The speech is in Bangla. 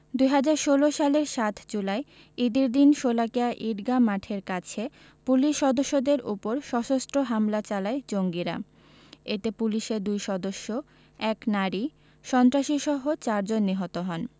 ২০১৬ সালের ৭ জুলাই ঈদের দিন শোলাকিয়া ঈদগাহ মাঠের কাছে পুলিশ সদস্যদের ওপর সশস্ত্র হামলা চালায় জঙ্গিরা এতে পুলিশের দুই সদস্য এক নারী সন্ত্রাসীসহ চারজন নিহত হন